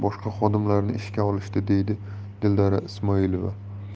boshqa xodimlarni ishga olishdi deydi dildora ismoilova